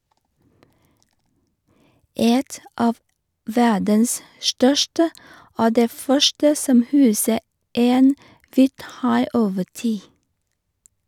Et av verdens største, og det første som huset en hvithai over tid.